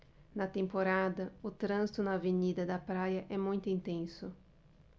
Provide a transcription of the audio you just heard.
na temporada o trânsito na avenida da praia é muito intenso